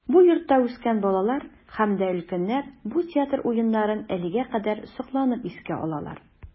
Бу йортта үскән балалар һәм дә өлкәннәр бу театр уеннарын әлегә кадәр сокланып искә алалар.